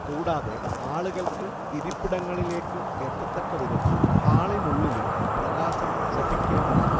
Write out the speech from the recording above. കൂടാതെ ആളുകൾക്ക് ഇരിപ്പിടങ്ങളിലേക്ക് എത്തത്തക്കവിധത്തിൽ ഹാളിനുള്ളിലും പ്രകാശം ലഭിക്കേണ്ടതാണ്